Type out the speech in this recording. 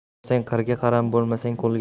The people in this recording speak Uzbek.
mehnat qilsang qirga qaram bo'lmassan qo'lga